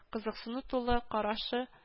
Кызыксыну тулы карашы